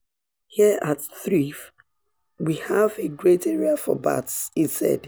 "Here at Threave we have a great area for bats," he said.